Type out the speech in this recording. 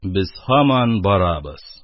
Без һаман барабыз.